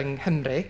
yng Nghymru.